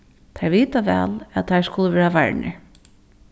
teir vita væl at teir skulu vera varnir